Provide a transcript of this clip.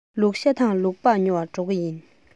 ལུག ཤ དང ལུག ལྤགས ཉོ བར འགྲོ གི ཡིན